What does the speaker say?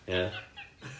ia?